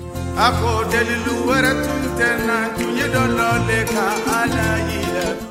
A fɔ jeli wɛrɛ tun tɛna na tun ye dɔ dɔ de ka a la i la